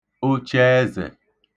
ochẹẹzẹ̀